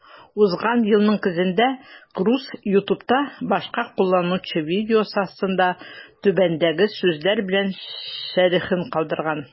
Узган елның көзендә Круз YouTube'та башка кулланучы видеосы астында түбәндәге сүзләр белән шәрехен калдырган: